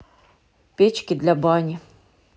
печки для бани